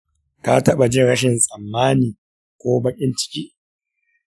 ka taɓa jin rashin tsammani ko baƙin ciki?